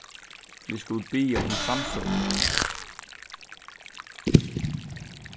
vit skulu biðja um framsøgufólk